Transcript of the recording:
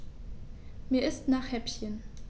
Mir ist nach Häppchen.